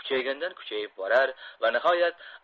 kuchaygandan kuchayib borar va nihoyat